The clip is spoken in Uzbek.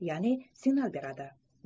ya'ni signal beradi